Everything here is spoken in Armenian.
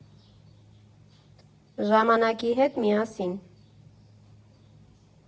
Ժամանակի հետ միասին։